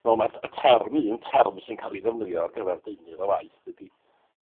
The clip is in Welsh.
Wel ma' y term, un term sy'n ca'l 'i ddefnyddio ar gyfer deunydd o waith ydi